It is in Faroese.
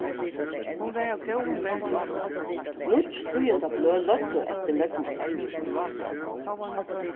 nýggj tíðindabløð løgdu eftir løgmanni